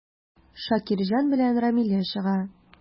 Шакирҗан белән Рамилә чыга.